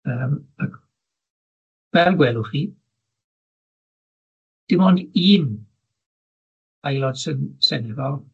Yym ac fel gwelwch chi dim ond un aelod syn- seneddol